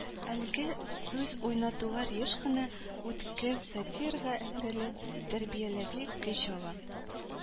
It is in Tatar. Әлеге сүз уйнатулар еш кына үткен сатирага әверелеп, тәрбияви көч ала